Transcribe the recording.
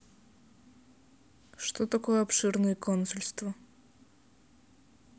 что такое обширные консульство